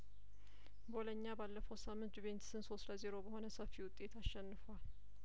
ቦሎኛ ባለፈው ሳምንት ጁቬንትስን ሶስት ለዜሮ በሆነ ሰፊ ውጤት አሸንፏል